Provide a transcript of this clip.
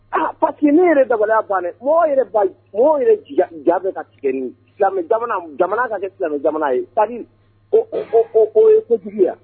Aa paki ne yɛrɛ dabaliya ban mɔgɔw yɛrɛ jaabi ka tigɛ ni ka kɛ silamɛ jamana ye paki ye kotigiya